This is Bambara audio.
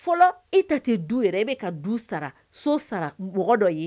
Fɔlɔ e ta ten du yɛrɛ e bɛ ka du sara so sara mɔgɔ dɔ ye